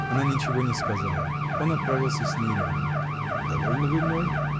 Она ничего не сказала; он отправился с ней рядом. -- Довольны вы мной?